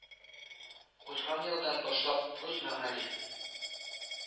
Узган елдан башлап вуз мәгариф